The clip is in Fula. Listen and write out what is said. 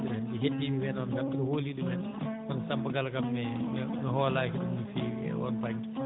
mbiɗa anndi heddiiɓe ɓee noon ɓeeɗa hoolii ɗumen kono Samba Kala kam mi hoolaaki ɗum no feewi e oon baŋnge